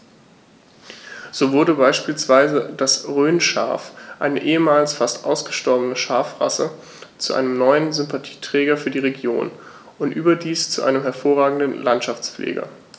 So wurde beispielsweise das Rhönschaf, eine ehemals fast ausgestorbene Schafrasse, zu einem neuen Sympathieträger für die Region – und überdies zu einem hervorragenden Landschaftspfleger.